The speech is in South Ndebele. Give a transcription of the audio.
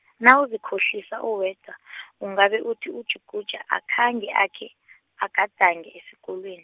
nawuzikhohlisa uwedwa , ungabe uthi uJuguja akhange akhe, agadange esikolweni.